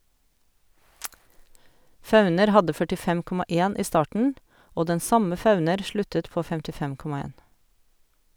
Fauner hadde 45,1 i starten, og den samme Fauner sluttet på 55,1.